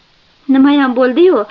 nimayam bo'ladi yu